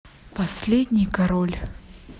последний король